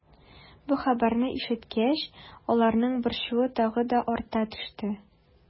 Бу хәбәрне ишеткәч, аларның борчуы тагы да арта төште.